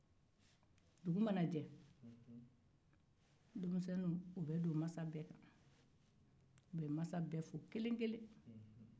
dugu mana je denmisɛnnin bɛ mansa bɛɛ fo kelen kelen